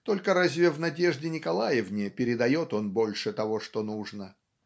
только разве в "Надежде Николаевне" передает он больше того что нужно.